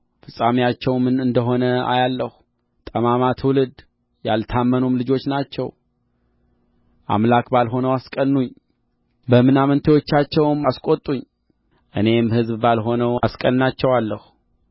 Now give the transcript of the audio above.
ፍጻሜያቸው ምን እንደ ሆነ አያለሁ ጠማማ ትውልድ ያልታመኑም ልጆች ናቸው አምላክ ባልሆነው በምናምንቴዎቻቸውም አስቈጡኝ እኔም ሕዝብ ባልሆነው አስቀናቸዋለሁ